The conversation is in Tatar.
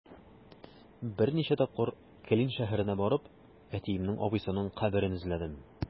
Берничә тапкыр Клин шәһәренә барып, әтиемнең абыйсының каберен эзләдем.